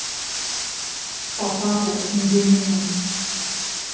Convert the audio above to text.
папа роб индоминус